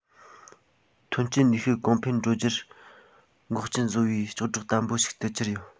ཐོན སྐྱེད ནུས ཤུགས གོང འཕེལ འགྲོ རྒྱུར འགོག རྐྱེན བཟོ བའི ལྕགས སྒྲོག དམ པོ ཞིག ཏུ གྱུར ཡོད